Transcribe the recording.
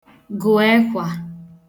gụ̀ ekwà